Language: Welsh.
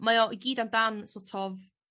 Mae o i gyd amdan so't of